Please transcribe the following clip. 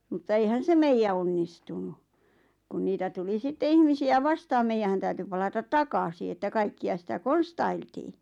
mutta eihän se meidän onnistunut kun niitä tuli sitten ihmisiä vastaan meidän täytyi palata takaisin että kaikkia sitä konstailtiin